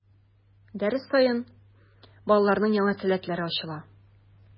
Дәрес саен балаларның яңа сәләтләре ачыла.